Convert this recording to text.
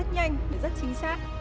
rất nhanh và rất chính xác